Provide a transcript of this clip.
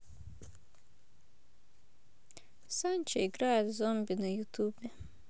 санчо играет в зомби на ютубе